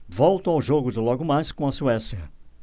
volto ao jogo de logo mais com a suécia